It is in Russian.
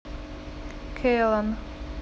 calon